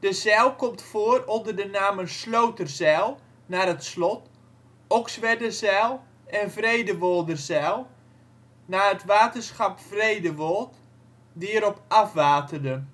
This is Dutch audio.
zijl komt voor onder de namen Sloterzijl (naar het slot), Oxwerderzijl en Vredewolderzijl (naar het waterschap Vredewold, die erop afwaterde